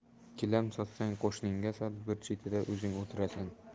gilam sotsang qo'shningga sot bir chetida o'zing o'tirasan